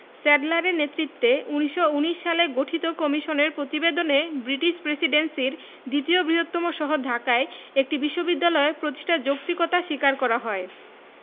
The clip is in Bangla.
স্যাডলারের নেতৃত্বে ১৯১৯ সালে গঠিত কমিশনের প্রতিবেদনে ব্রিটিশ প্রেসিডেন্সির দ্বিতীয় বৃহত্তম শহর ঢাকায় একটি বিশ্ববিদ্যালয় প্রতিষ্ঠার যৌক্তিকতা স্বীকার করা হয়